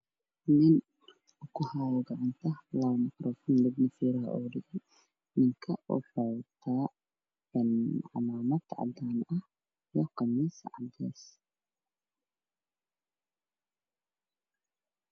Nin gacanta ku haayo makaroofan waxuu wataa cimaamad cadaan ah iyo qamiis cadeys ah.